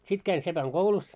sitten kävin sepänkoulussa